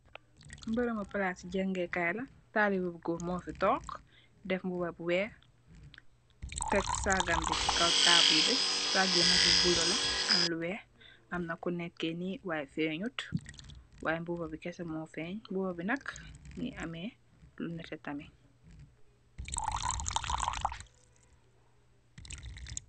Meremu plase jagekay la talibeh goor mufe tonke def muba bu weex tek sagam be se kaw taabul be sagg be nak lu bulo la am lu weex amna ku neke nee y fenunt y muba be kesse mu feng muba be nak muge ameh lu neteh tamin.